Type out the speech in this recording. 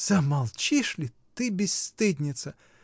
— Замолчишь ли ты, бесстыдница!